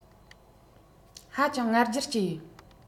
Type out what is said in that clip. ཧ ཅང ང རྒྱལ སྐྱེས